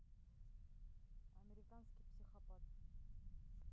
американский психопат